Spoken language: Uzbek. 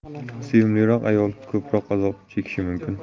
sevimliroq ayol ko'proq azob chekishi mumkin